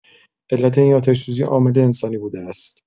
علت این آتش‌سوزی عامل انسانی بوده است.